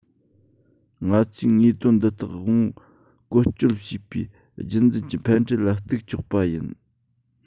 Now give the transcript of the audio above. ང ཚོས དངོས དོན འདི དག དབང པོ བཀོལ སྤྱོད བྱས པའི རྒྱུད འཛིན གྱི ཕན འབྲས ལ གཏུག ཆོག པ ཡིན